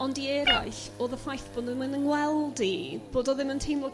Ond i eraill o'dd y ffaith bo' nhw'm yn 'yn ngweld i bod o ddim yn t'imlo